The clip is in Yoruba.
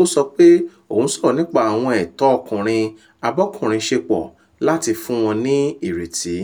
ó sọ pé òun sọ̀rọ̀ nípa àwọn ẹ̀tọ́ ọkùnrin-abọ́kùnrinṣepọ̀ láti fún wọ́n ní “ìrètí.”